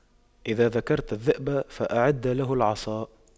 إذا ذكرت الذئب فأعد له العصا